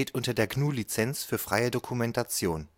unter der GNU Lizenz für freie Dokumentation